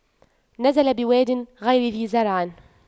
نزل بواد غير ذي زرع